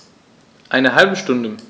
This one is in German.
Eine halbe Stunde